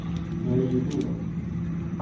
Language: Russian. мария дура